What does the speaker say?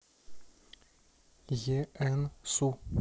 е н су